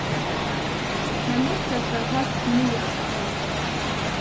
men líggjas var heilt miðal at liti